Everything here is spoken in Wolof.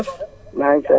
Paar